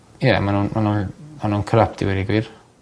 ie ma' nw'n ma' n'w ma' nw'n corrupt i weud y gwir.